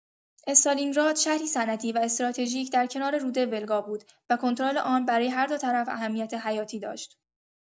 استالینگراد شهری صنعتی و استراتژیک در کنار رود ولگا بود و کنترل آن برای هر دو طرف اهمیت حیاتی داشت.